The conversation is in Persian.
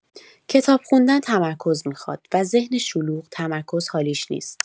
کتاب خوندن تمرکز می‌خواد، و ذهن شلوغ تمرکز حالیش نیست.